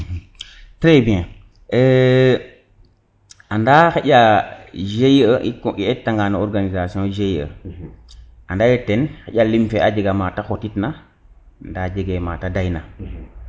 trés bien anda xaƴa GIE i i eta nga no organisation GIE anda ye ten xaƴa lim fe a jega mate xotit na nda jege mate dey na